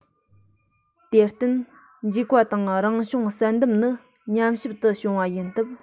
དེར བརྟེན འཇིག པ དང རང བྱུང བསལ འདེམས ནི མཉམ གཤིབ ཏུ བྱུང བ ཡིན སྟབས